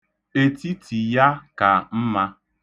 Etiti ya ka mma.